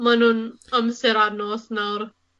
Ma' nw'n amser anodd nawr.